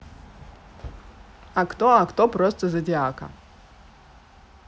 а кто а кто просто зодиака